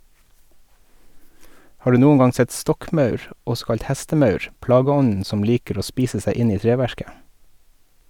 Har du noen gang sett stokkmaur, også kalt hestemaur, plageånden som liker å spise seg inn i treverket?